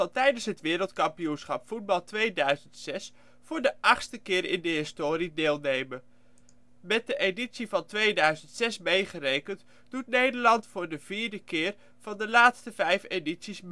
tijdens het Wereldkampioenschap voetbal 2006 voor de achtste keer in de historie deelnemen. Met de editie van 2006 meegerekend doet Nederland voor de vierde keer van de laatste vijf edities